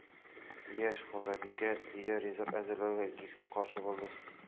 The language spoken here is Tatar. Яшь хуҗабикә өйдә ризык әзерләүгә кискен каршы булды: